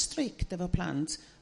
strict efo plant.